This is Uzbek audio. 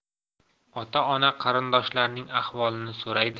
ota ona qarindoshlarning ahvolini so'raydi